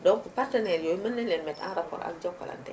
donc partenaires yooyu mën nañu leen mettre en rapport ak jokalante